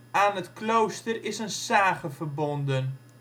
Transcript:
Aan het klooster is een sage verbonden